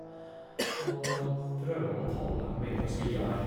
Og prøver å ta dem med oss videre.